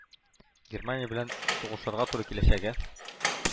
Германия белән сугышырга туры киләчәге